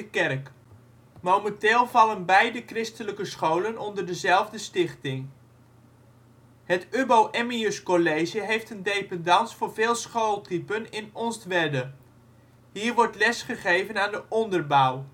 kerk. Momenteel vallen beide christelijke scholen onder dezelfde stichting. Het Ubbo Emmiuscollege heeft een dependance voor veel schooltypen in Onstwedde. Hier wordt lesgegeven aan de onderbouw